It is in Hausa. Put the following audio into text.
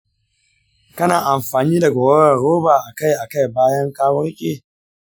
kana amfani da kwararon roba akai akai bayan ka warke.